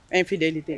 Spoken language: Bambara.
Fitli tɛ